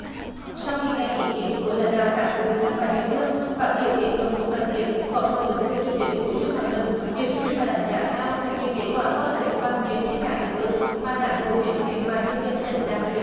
sau khi nghe ý kiến của lãnh đạo các bộ ngành và địa phương phát biểu kết luận cuộc làm việc phó thủ tướng thường trực chính phủ trương hòa bình biểu dương và đánh giá cao những kết quả to lớn toàn diện trên các lĩnh vực mà đảng bộ chính quyền và nhân dân tỉnh đạt được